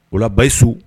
O la basiyi su